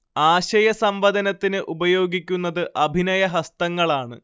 ആശയസം‌വദനത്തിന് ഉപയോഗിക്കുന്നത് അഭിനയഹസ്തങ്ങളാണ്